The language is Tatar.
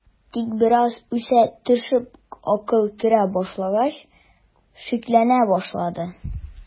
Тик бераз үсә төшеп акыл керә башлагач, шикләнә башлады.